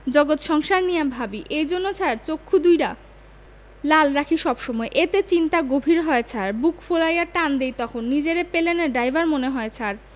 জগৎ সংসার নিয়া ভাবি এইজন্য ছার চোক্ষু দুউডা লাল রাখি সব সময় এতে চিন্তা গভীর হয় ছার বুক ফুলায়া টান দেই তহন নিজেরে পেলেনের ড্রাইভার মনে হয় ছার